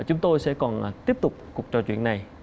chúng tôi sẽ còn tiếp tục cuộc trò chuyện này